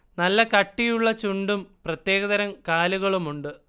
നല്ല കട്ടിയുള്ള ചുണ്ടും പ്രത്യേകതരം കാലുകളുമുണ്ട്